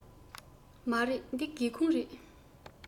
མ རེད འདི སྒེའུ ཁུང རེད